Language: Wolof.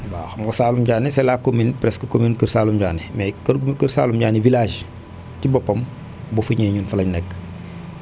waaw xam nga Saalum Diané c' est la commune presque commune Kër Saalum Diané mais Kër Kër Saalum diané village ci boppam boo fa ñëwee énun fa la ñu nekk